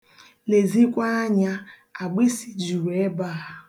Lezikwaa anya, agbịsị juru ebe a.